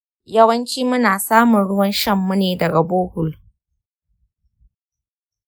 yawanci muna samun ruwan shanmu ne daga borehole.